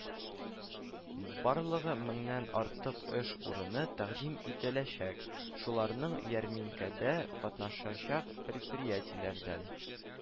Барлыгы меңнән артык эш урыны тәкъдим ителәчәк, шуларның – ярминкәдә катнашачак предприятиеләрдән